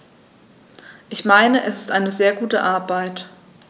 Ich meine, es ist eine sehr gute Arbeit.